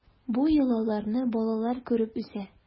Бу йолаларны балалар күреп үсә.